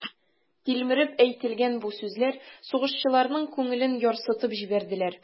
Тилмереп әйтелгән бу сүзләр сугышчыларның күңелен ярсытып җибәрделәр.